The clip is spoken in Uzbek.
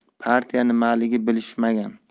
partiya nimaligini bilishmagan